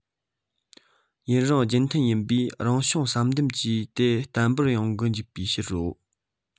ཡུན རིང རྒྱུན མཐུད ཡིན པའི རང བྱུང བསལ འདེམས ཀྱིས དེ བརྟན པོར ཡོང གི འཇུག པའི ཕྱིར རོ